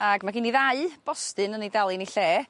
ag ma' gen i ddau bostyn yn 'i dal un ei lle